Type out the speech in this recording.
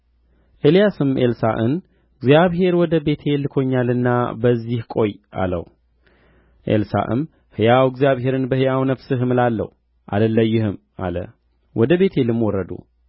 መጽሐፈ ነገሥት ካልዕ ምዕራፍ ሁለት እንዲህም ሆነ እግዚአብሔር ኤልያስን በዐውሎ ነፋስ ወደ ሰማይ ሊያወጣው በወደደ ጊዜ ኤልያስ ከኤልሳዕ ጋር ከጌልገላ ተነሣ